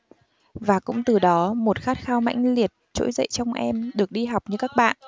và cũng từ đó một khát khao mãnh liệt trỗi dậy trong em được đi học như các bạn